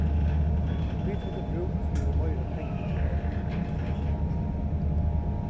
vit høvdu brúk fyri meira pengum